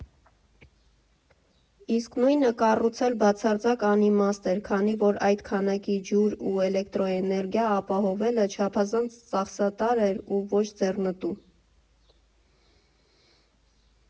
Իսկ նույնը կառուցել բացարձակ անիմաստ էր, քանի որ այդ քանակի ջուր ու էլեկտրաէներգիա ապահովելը չափազանց ծախսատար էր ու ոչ ձեռնտու։